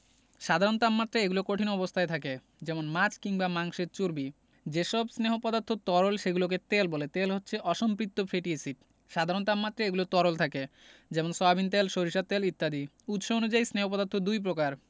সাধারণ তামমাত্রায় এগুলো কঠিন অবস্থায় থাকে যেমন মাছ কিংবা মাংসের চর্বি যেসব স্নেহ পদার্থ তরল সেগুলোকে তেল বলে তেল হচ্ছে অসম্পৃক্ত ফ্যাটি এসিড সাধারণ তািমি.মাত্রায় এগুলো তরল থাকে যেমন সয়াবিন তেল সরিষার তেল ইত্যাদি উৎস অনুযায়ী স্নেহ পদার্থ দুই প্রকার